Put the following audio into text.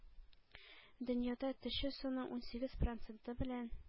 Дөньяда төче суның унсигез проценты белән